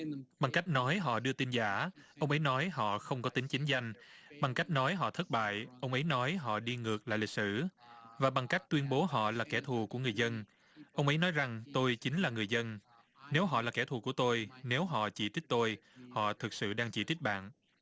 bằng cách nói họ đưa tin giả ông ấy nói họ không có tính chính danh bằng cách nói họ thất bại ông ấy nói họ đi ngược lại lịch sử và bằng cách tuyên bố họ là kẻ thù của người dân ông ấy nói rằng tôi chính là người dân nếu họ là kẻ thù của tôi nếu họ chỉ thích tôi họ thực sự đang chỉ trích bạn